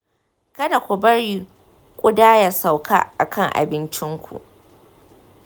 kada ku bari ƙuda ya sauka a kan abincinku.